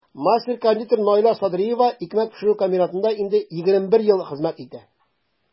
Мастер-кондитер Наилә Садриева икмәк пешерү комбинатында инде 21 ел хезмәт итә.